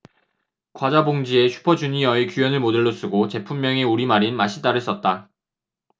과자 봉지에 슈퍼주니어의 규현을 모델로 쓰고 제품명에 우리말인 맛있다를 썼다